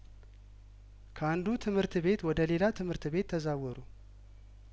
ከአንዱ ትምህርት ቤት ወደ ሌላ ትምህርት ቤት ተዛወሩ